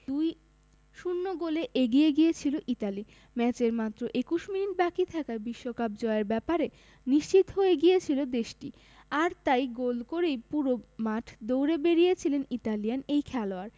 ২ ০ গোলে এগিয়ে গিয়েছিল ইতালি ম্যাচের মাত্র ২১ মিনিট বাকি থাকায় বিশ্বকাপ জয়ের ব্যাপারে নিশ্চিত হয়ে গিয়েছিল দেশটি আর তাই গোল করেই পুরো মাঠ দৌড়ে বেড়িয়েছিলেন ইতালিয়ান এই খেলোয়াড়